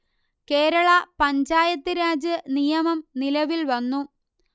കേരളാ പഞ്ചായത്ത് രാജ് നിയമം നിലവിൽ വന്നു